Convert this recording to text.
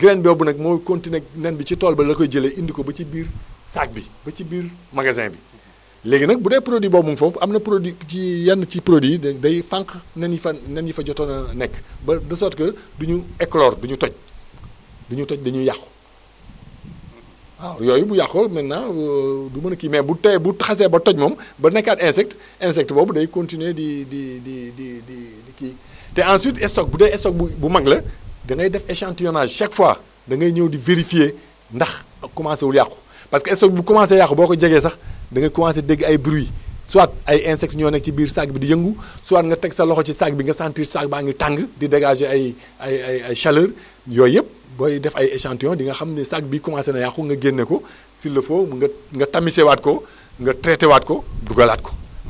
graine boobu nag moo continué nen bi ci tool ba la ka jële indi ko ba ci biir saak bi ba ci biir magasin bi léegi nag bu dee produit boobu am na produit ci yenn ci produit yi day fànq nen yi fa nen yi fa jotoon a nekk ba de sorte que du ñu éclore du ñu toj du ñu toj dañuy yàqu waaw yooyu bu yàqoo mën naa du mën a kii mais bu tee bu xasee ba toj moom ba nekkaat insecte insecte boobu day continué di di di di di di di di kii te ensuite stock bu dee stock bu mag la da ngay def échantillonage chaque fois da ngay ñëw di vérifier ndax commencé wul yàqu parce que stock bu commencé yàqu boo ko jegee sax da ngay commencé dégg ay bruits soit ay insectes ñoo ne ci biir saak bi di yëngu soit nga teg sa loxo ci saak bi nga sentir saak baa ngi tàng di dégagé ay ay ay ay ay chaleur yooyu yëpp booy def ay échantillo di nga xam ni saak bii commencé na yàqu nga génne ko s' il le faut nga nga tamissé waat ko nga traité waat ko dugalaat ko